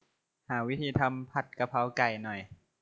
หาวิธีทำผัดกะเพราไก่หน่อย